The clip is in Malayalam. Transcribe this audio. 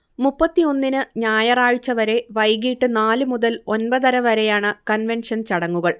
മുപ്പത്തി ഒന്നിന് ഞായറാഴ്ച വരെ വൈകീട്ട് നാല് മുതൽ ഒൻപതര വരെയാണ് കൺവെൻഷൻ ചടങ്ങുകൾ